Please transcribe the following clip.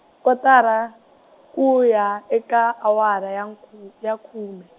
kotara, kuya eka awara ya nku- ya khume.